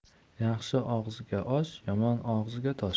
yaxshi og'izga osh yomon og'izga tosh